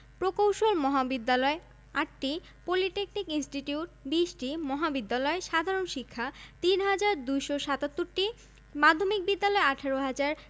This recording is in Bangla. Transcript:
প্রকৌশল মহাবিদ্যালয় ৮টি পলিটেকনিক ইনস্টিটিউট ২০টি মহাবিদ্যালয় সাধারণ শিক্ষা ৩হাজার ২৭৭টি মাধ্যমিক বিদ্যালয় ১৮হাজার